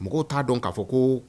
Mɔgɔw t'a dɔn k'a fɔ ko